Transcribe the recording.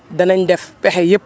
danañ def pexe yëpp